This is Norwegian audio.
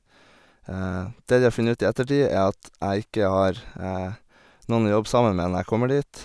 Det de har funnet ut i ettertid, er at jeg ikke har noen å jobbe sammen med når jeg kommer dit.